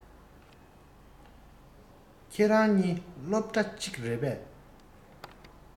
ཁྱེད རང གཉིས སློབ གྲ གཅིག རེད པས